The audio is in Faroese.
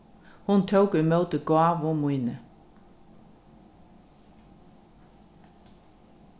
hon tók ímóti gávu míni